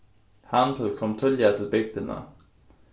handil kom tíðliga til bygdina